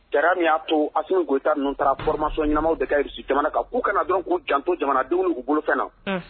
G min y'a to a sini gta ninnu taara fmasɔn ɲɛnamaw derusi jamana kan k'u kana dɔn k'u janto jamana dumuni' bolofɛn na